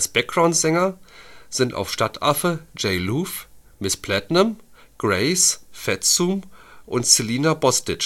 Backgroundsänger sind auf Stadtaffe J-Luv, Miss Platnum, Grace, Fetsum und Celina Bostic